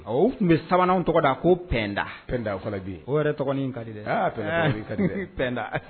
A o tun bɛ sabanan tɔgɔ da ko pda pda o fɔlɔ bi o yɛrɛ ka di dɛ ppda